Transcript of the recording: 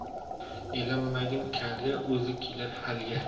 elanmagin kalga o'zi kelar halga